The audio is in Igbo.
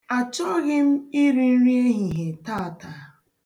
A chọghị m iri nri ehihie taata.